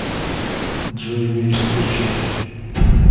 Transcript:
джой мир скучно